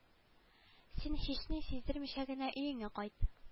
Син һични сиздермичә генә өеңә кайт